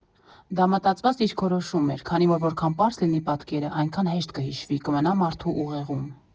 Դա մտածված դիրքորոշում էր, քանի որ որքան պարզ լինի պատկերը, այնքան հեշտ կհիշվի, կմնա մարդու ուղեղում։